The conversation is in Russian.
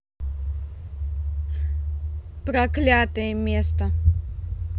проклятое место